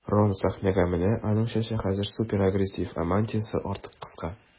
Рон сәхнәгә менә, аның чәче хәзер суперагрессив, ә мантиясе артык кыска.